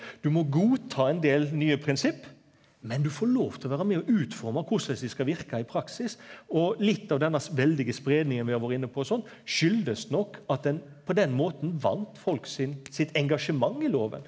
du må godta ein del nye prinsipp, men du får lov til å vera med å utforma korleis dei skal verka i praksis, og litt av denne veldige spreiinga vi har vore inne på og sånn skuldest nok at ein på den måta vann folk sin sitt engasjement i loven.